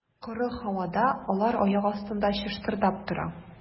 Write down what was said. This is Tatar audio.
Коры һавада алар аяк астында чыштырдап тора.